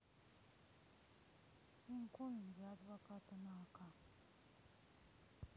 линкольн для адвоката на ока